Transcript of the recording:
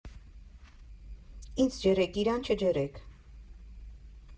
Ինձ ջրեք, իրան չջրեք։